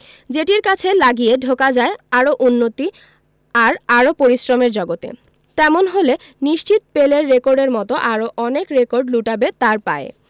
যেটি কাজে লাগিয়ে ঢোকা যায় আরও উন্নতি আর আরও পরিশ্রমের জগতে তেমন হলে নিশ্চিত পেলের রেকর্ডের মতো আরও অনেক রেকর্ড লুটাবে তাঁর পায়ে